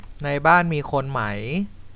ในบ้านมีคนไหม